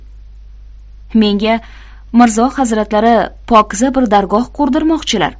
menga mirzo hazratlari pokiza bir dargoh qurdirmoqchilar